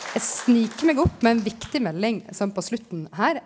eg snik meg opp med ein viktig melding som på slutten her.